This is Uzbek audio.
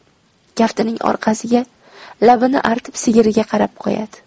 kaftining orqasiga labini artib sigiriga qarab qo'yadi